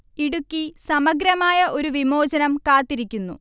ഇടുക്കി സമഗ്രമായ ഒരു വിമോചനം കാത്തിരിക്കുന്നു